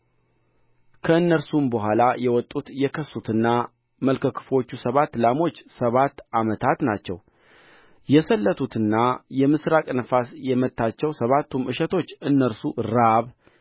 ከእነርሱም በኋላ የወጡት የከሱትና መልከ ክፋዎቹ ሰባት ላሞች ሰባት ዓመታት ናቸው የሰለቱትና የምሥራቅ ነፋስ የመታቸው ሰባቱም እሸቶች እነርሱ ራብ